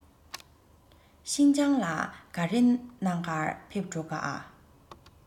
ཤིན ཅང ལ ག རེ གནང ག ཕེབས འགྲོ ག ཀ